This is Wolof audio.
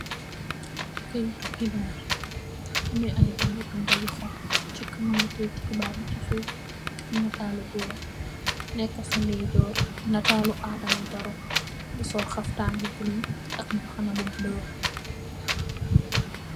Kayiti xibaar, amee ay bindë yu xoñxu, ci kanamam I kayiti xibaar ...si suuf, nataal lu Goor. Nekke sa ndeyjoor, nataalu Adama Barrow, sol xaftaan ak mbaxana bu bulo.